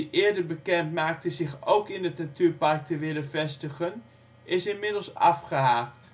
eerder bekend maakte zich ook in het natuurpark te willen vestigen, is inmiddels afgehaakt